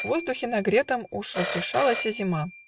в воздухе нагретом Уж разрешалася зима